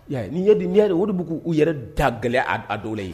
Ya nin yeden nya ye olu de b k' u yɛrɛ da gɛlɛn a dɔw la yen